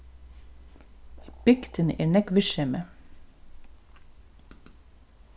í bygdini er nógv virksemi